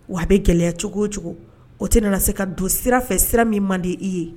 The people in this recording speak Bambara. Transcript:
Wa a bɛ gɛlɛya cogo o cogo o tɛ nana se ka don sira fɛ sira min man di i ye!